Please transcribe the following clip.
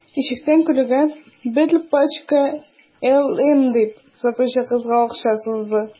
Ишектән керүгә: – Бер пачка «LM»,– дип, сатучы кызга акча сузды.